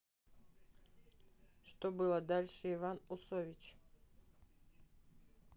что было дальше иван усович